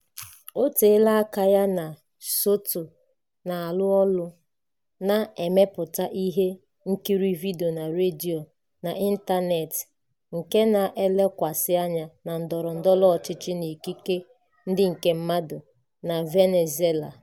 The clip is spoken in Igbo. O teela aka ya na Soto na-arụ ọrụ na-emepụta ihe nkiri vidio na redio n'ịntaneetị nke na-elekwasị anya na ndọrọ ndọrọ ọchịchị na ikike ndị nke mmadụ na Venezuela.